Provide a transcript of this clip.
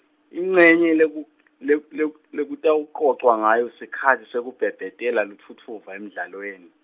incenye leku- le, leku- lekutawucocwa ngayo sikhatsi sekubhebhetela lutfutfuva emdlalweni.